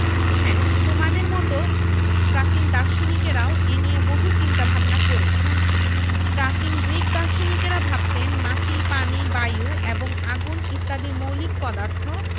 হ্যাঁ তোমাদের মতো প্রাচীন দার্শনিকেরাও এ নিয়ে বহু চিন্তা ভাবনা করেছেন প্রাচীন গ্রিক দার্শনিকেরা ভাবতেন মাটি পানি বায়ু এবং আগুন ইত্যাদি মৌলিক পদার্থ